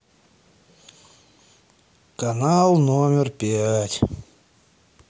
канал номер пять